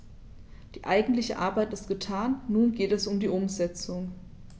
Die eigentliche Arbeit ist getan, nun geht es um die Umsetzung.